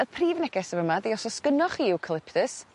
y prif neges yn fy' 'ma 'di os o's gynnoch chi eucalyptus